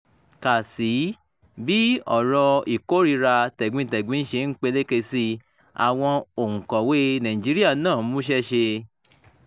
Kà sí i: Bí ọ̀rọ̀ ìkórìíra tẹ̀gbintẹ̀gbin ṣe ń peléke sí i, àwọn òǹkọ̀wée Nàìjíríà náà múṣẹ́ ṣe